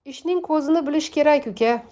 ishning ko'zini bilish kerak uka